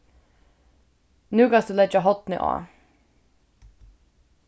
nú kanst tú leggja hornið á